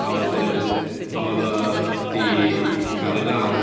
A wedyn, oedd o 'di gael i ddal...